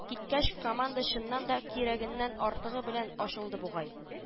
Киткәч, команда, чыннан да, кирәгеннән артыгы белән ачылды бугай